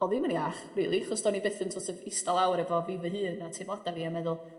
odd ddim yn iach rili 'chos do'n i byth yn so't of ista lawr efo fi fy hun 'na t'mod? 'Dan ni yn meddwl